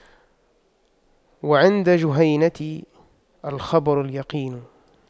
وعند جهينة الخبر اليقين